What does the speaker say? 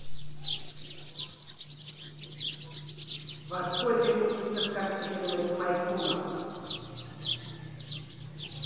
во сколько месяцев кастрировать мейкунов